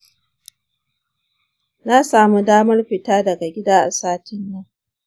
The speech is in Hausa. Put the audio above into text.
na samu damar fita daga gida a satin nan.